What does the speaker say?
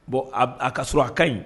Bɔn a ka sɔrɔ a ka ɲi